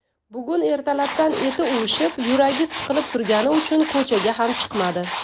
bugun ertalabdan eti uvishib yuragi siqilib turgani uchun ko'chaga ham chiqmadi